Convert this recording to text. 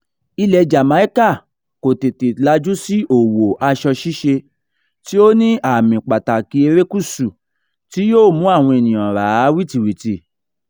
Ilẹ̀ Jamaica kò tètè lajú sí òwò aṣọ ṣíṣe tí ó ní ààmì pàtàkì erékùṣù tí yóò mú àwọn ènìyàn rà á wìtìwìtì.